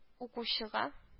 Укучыга